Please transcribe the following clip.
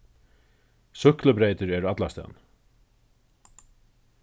súkklubreytir eru allastaðni